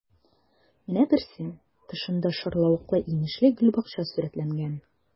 Менә берсе: тышында шарлавыклы-инешле гөлбакча сурәтләнгән.